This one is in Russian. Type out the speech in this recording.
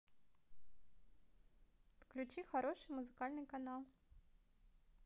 включи хороший музыкальный канал